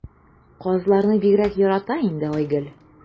Казларны бигрәк ярата инде Айгөл.